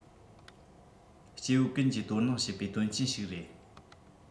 སྐྱེ བོ ཀུན གྱིས དོ སྣང བྱེད པའི དོན རྐྱེན ཞིག རེད